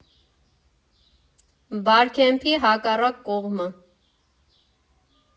Բարքեմփի հակառակ կողմը։